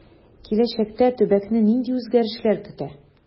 Киләчәктә төбәкне нинди үзгәрешләр көтә?